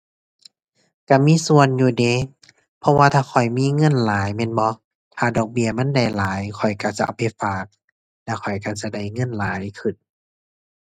ก็มีส่วนอยู่เดะ เพราะว่าถ้าข้อยมีเงินหลายแม่นบ่ ถ้าดอกเบี้ยมันได้หลาย ข้อยก็จะเอาไปฝาก แล้วข้อยก็จะได้เงินหลายขึ้น